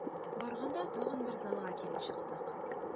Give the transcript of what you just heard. Барганда тагын бер залга килеп чыктык.